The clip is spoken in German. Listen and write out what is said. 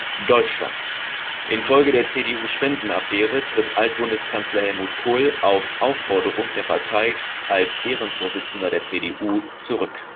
Deutschland: Infolge der CDU-Spendenaffäre tritt Altbundeskanzler Helmut Kohl auf Aufforderung der Partei als Ehrenvorsitzender der CDU zurück